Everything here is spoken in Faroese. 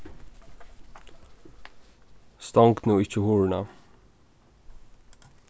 stong nú ikki hurðina